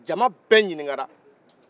jaama bɛɛ ɲininkara